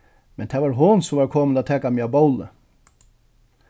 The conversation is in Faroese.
men tað var hon sum var komin at taka meg á bóli